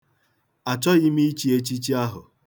Achọghị m ichi echichi ahụ.